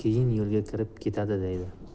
keyin yo'lga kirib ketadi deydi